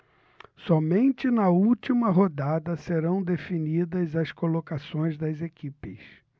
somente na última rodada serão definidas as colocações das equipes